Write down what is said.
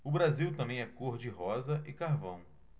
o brasil também é cor de rosa e carvão